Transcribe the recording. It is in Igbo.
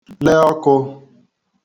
-le ọkụ